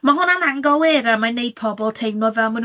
ma' hwnna'n anghywir a mae'n 'neud pobl teimlo fel ma'